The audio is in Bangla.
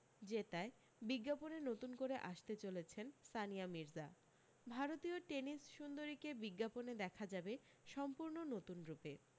জেতায় বিজ্ঞাপনে নতুন করে আসতে চলেছেন সানিয়া মির্জা ভারতীয় টেনিসসুন্দরীকে বিজ্ঞাপনে দেখা যাবে সম্পূর্ণ নতুন রূপে